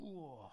Ww!